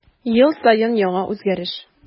Ел саен яңа үзгәреш.